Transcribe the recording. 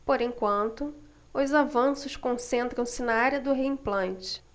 por enquanto os avanços concentram-se na área do reimplante